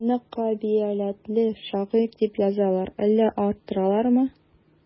Аны кабилиятле шагыйрь дип язалар, әллә арттыралармы?